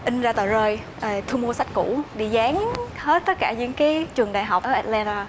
in ra tờ rơi thu mua sách cũ bị giáng hết tất cả những cái trường đại học là